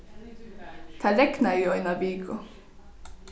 tað regnaði í eina viku